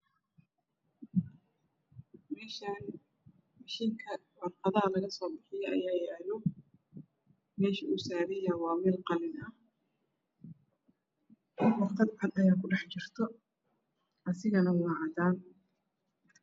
Meshan mashinka warqadaha laga soo bixiyo ayaa yalo mesha oow saran yahay waa meel qalin ah warqad cad ayaa ku dhaxjiroto asiga neh waa cadaan